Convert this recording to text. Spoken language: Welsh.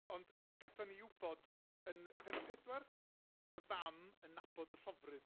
Ond gatho ni wybod yn pennod pedwar... ia. ...bod y fam yn nabod y llofrudd.